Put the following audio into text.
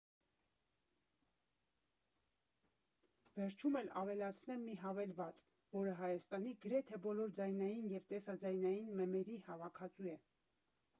Վերջում էլ ավելացնեմ մի հավելված, որը Հայաստանի գրեթե բոլոր ձայնային և տեսաձայնային մեմերի հավաքածու է։